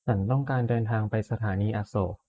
ฉันต้องการเดินทางไปสถานีอโศก